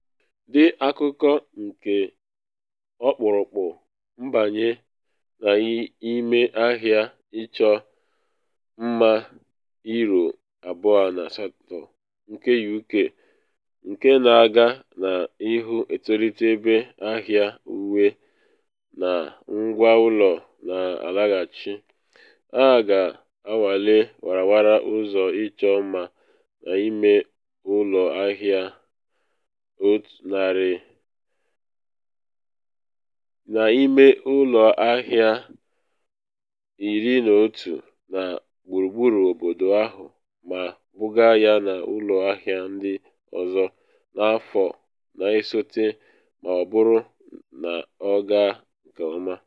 Dị akụkụ nke ọkpụrụkpụ mbanye n’ime ahịa ihe ịchọ mma £2.8n nke UK, nke na aga n’ihu etolite ebe ahịa uwe na ngwa ụlọ na alaghachi, a ga-anwale warawara ụzọ ịchọ mma n’ime ụlọ ahịa 11 na gburugburu obodo ahụ ma buga ya n’ụlọ ahịa ndị ọzọ n’afọ na esote ma ọ bụrụ na ọ gaa nke ọma.